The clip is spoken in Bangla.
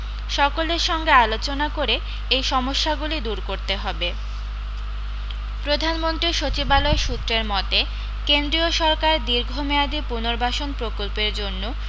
সকলের সঙ্গে আলোচনা করে এই সমস্যাগুলি দূর করতে হবে প্রধানমন্ত্রী সচিবালয় সূত্রের মতে কেন্দ্রীয় সরকার দীর্ঘমেয়াদি পুনর্বাসন প্রকল্পের জন্য